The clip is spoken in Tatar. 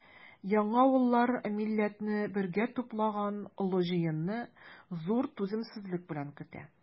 Яңавыллар милләтне бергә туплаган олы җыенны зур түземсезлек белән көтә.